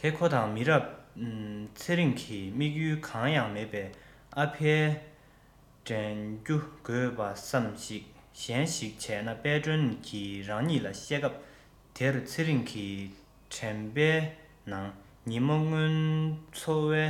དེ ཁོ དང མི རབས ཚེ རིང གི དམིགས ཡུལ གང ཡང མེད ཨ ཕའི དྲན རྒྱུ དགོས པ བསམ གཞིག གཞན ཞིག བྱས ན དཔལ སྒྲོན གྱི རང ཉིད ལ བཤད སྐབས དེར ཚེ རིང གི དྲན པའི ནང ཉིན མོ སྔོན འཚོ བའི